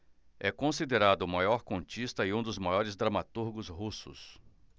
é considerado o maior contista e um dos maiores dramaturgos russos